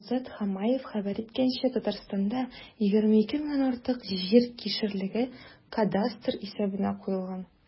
Азат Хамаев хәбәр иткәнчә, Татарстанда 22 меңнән артык җир кишәрлеге кадастр исәбенә куелган.